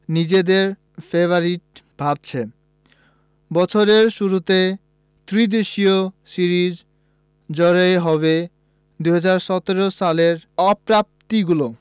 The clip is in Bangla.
নিজেদের ফেবারিট ভাবছে বছরের শুরুতে ত্রিদেশীয় সিরিজ জয়ই হবে ২০১৭ সালের অপ্রাপ্তিগুলো